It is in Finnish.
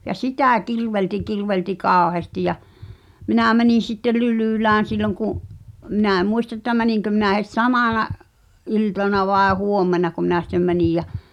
ja sitä kirvelsi kirvelsi kauheasti ja minä menin sitten Lylylään silloin kun minä en muista että meninkö minä heti samana iltana vai huomennako minä sitten menin ja